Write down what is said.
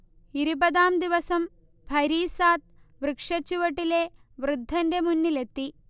ഇരുപതാം ദിവസം ഫരീസാദ്, വൃക്ഷച്ചുവട്ടിലെ വൃദ്ധന്റെ മുന്നിലെത്തി